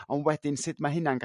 ond wedyn sud ma' hynna'n